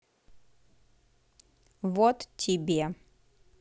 вот тебе